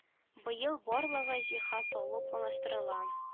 Быел барлыгы җиһаз алу планлаштырыла